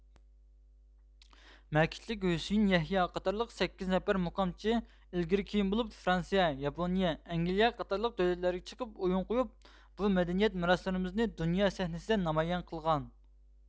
مەكىتلىك ھۈسىيىن يەھيا قاتارلىق سەككىز نەپەر مۇقامچى ئىلگىرى كېيىن بولۇپ فرانسىيە ياپونىيە ئەنگلىيە قاتارلىق دۆلەتلەرگە چىقىپ ئويۇن قويۇپ بۇ مەدەنىيەت مىراسلىرىمىزنى دۇنيا سەھنىسىدە نامايان قىلغان